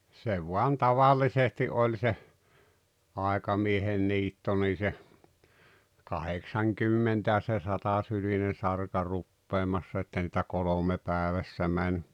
se vain tavallisesti oli se aikamiehen niitto niin se kahdeksankymmentä ja se satasylinen sarka rupeamassa että niitä kolme päivässä meni